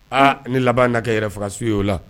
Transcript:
Aa ne laban na kɛ yɛrɛ fagasu ye o la.